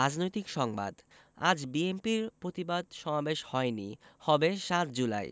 রাজনৈতিক সংবাদ আজ বিএনপির প্রতিবাদ সমাবেশ হয়নি হবে ৭ জুলাই